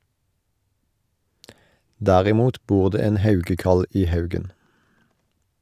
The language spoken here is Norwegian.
Derimot bor det en haugekall i haugen.